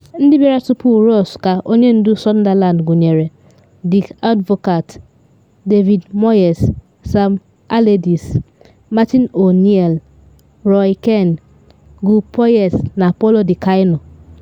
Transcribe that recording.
Ndị bịara tupu Ross ka onye ndu Sunderland gụnyere Dick Advocaat, David Moyes, Sam Allardyce, Martin O'Neill, Roy Keane, Gue Poyet na Paulo Di Canio.